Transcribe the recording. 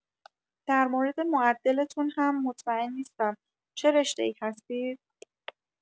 در مورد معدلتون هم مطمئن نیستم، چه رشته‌ای هستید؟